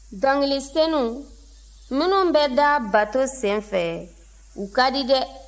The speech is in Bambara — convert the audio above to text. dɔnkili senu minnu bɛ da bato sen fɛ u ka di dɛ